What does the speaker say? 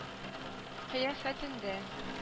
Кыяфәтендә